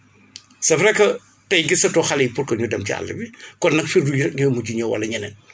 c' est vrai que tey gisatoo xale yi pour que ñu dem ci àll bi kon nag firdu yi rek ñooy mujj ñëw wala ñeneen